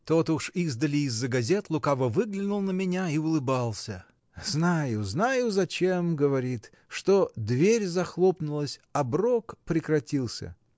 Тот уж издали, из-за газет, лукаво выглянул на меня и улыбнулся: “Знаю, знаю зачем, говорит: что, дверь захлопнулась, оброк прекратился?.